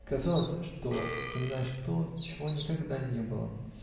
казалось, что вспоминаешь то, чего никогда не было.